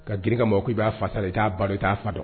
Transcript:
Ka girin ka k' i b'a fatalen, i t'a ba dɔn, i t'a fa dɔn